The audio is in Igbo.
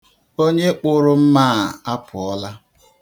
Onye kpụrụ mma a apụọla.